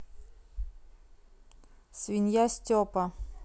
свинья степа